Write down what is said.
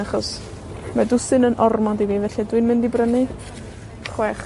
achos ma' dwsin yn ormod i fi, felly dwi'n mynd i brynu chwech.